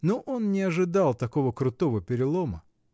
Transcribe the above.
но он не ожидал такого крутого перелома.